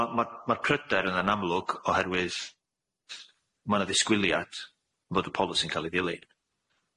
Ma' ma' ma'r pryder yna'n amlwg oherwydd ma' na ddisgwiliad fod y polisi'n ca'l ei ddilyn,